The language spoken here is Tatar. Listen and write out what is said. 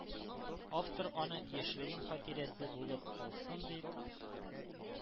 Автор аны яшьлегем хатирәсе булып калсын дип,